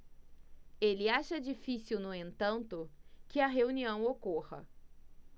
ele acha difícil no entanto que a reunião ocorra